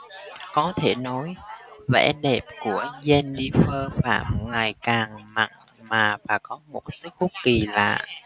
có thể nói vẻ đẹp của jennifer phạm ngày càng mặn mà và có một sức hút kì lạ